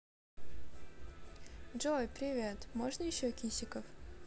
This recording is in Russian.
джой привет можно еще кисиков